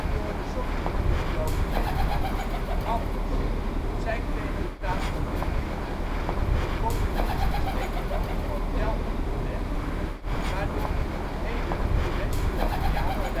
door de Sovjet-Unie gedomineerde landen liep het anders: zij kregen in plaats van kredieten een communistisch economisch model opgelegd waardoor tot op heden de West-Europeanen